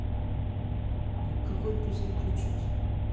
какую песню включить